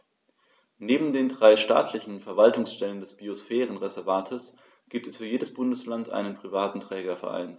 Neben den drei staatlichen Verwaltungsstellen des Biosphärenreservates gibt es für jedes Bundesland einen privaten Trägerverein.